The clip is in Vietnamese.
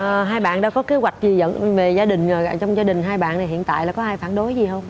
ờ hai bạn đã có kế hoạch chi giận về gia đình người trong gia đình hai bạn hiện tại là có ai phản đối gì không